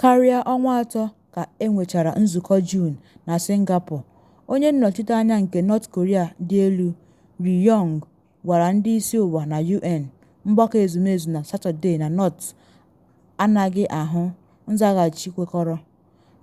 Karịa ọnwa atọ ka enwechara nzụkọ Juun na Singapore, onye nnọchite anya nke North Korea dị elu Ri Yong gwara ndị isi ụwa na U.N. Mgbakọ Ezumezu na Satọde na North anaghị ahụ “nzaghachi kwekọrọ”